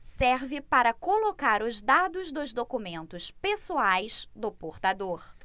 serve para colocar os dados dos documentos pessoais do portador